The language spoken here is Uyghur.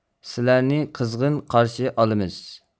سىلەرنى قىزغىن قارشى ئالىمىز